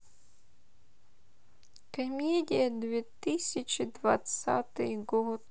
комедия две тысячи двадцатый год